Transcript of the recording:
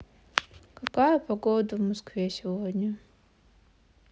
какая погода в москве сегодня